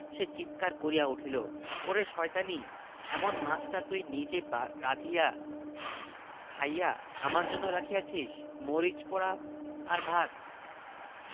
তখন একটি এত বড় শোলমাছ আমার লাঙলের তলে লাফাইয়া উঠিয়াছিল সেইটি ধরিয়া আনিয়া বউকে রান্না করিতে দিয়াছিলাম আর হাসির গল্প ৭৬